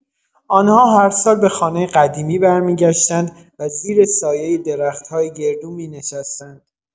آن‌ها هر سال به خانۀ قدیمی برمی‌گشتند و زیر سایۀ درخت‌های گردو می‌نشستند.